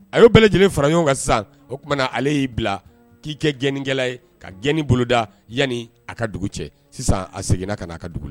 A y yeo bɛɛ lajɛlen fara ɲɔgɔn kan sisan o tumaumana na ale y'i bila k'i kɛ gikɛla ye ka ji boloda yanani a ka dugu cɛ sisan a seginna ka n'a ka dugu